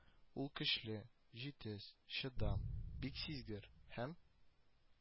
Ул көчле, җитез, чыдам, бик сизгер һәм